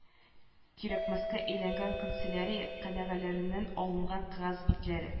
Кирәкмәскә әйләнгән канцелярия кенәгәләреннән алынган кәгазь битләре